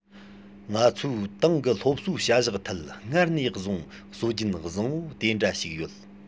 ང ཚོའི ཏང གི སློབ གསོའི བྱ གཞག ཐད སྔར ནས བཟུང སྲོལ རྒྱུན བཟང པོ དེ འདྲ ཞིག ཡོད